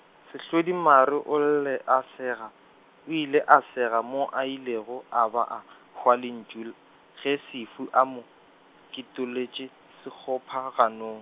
Sehlodimare o lle a sega, o ile a sega mo a ilego a ba a , hwa lentšu -l ge Sefu a mo, kitolotše sekgopha gano.